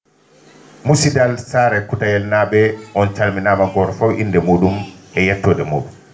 musidal Saare Kutayel naa?e on calminaama gooro fof innde mu?um e yettoode muu?um